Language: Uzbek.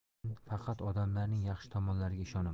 men faqat odamlarning yaxshi tomonlariga ishonaman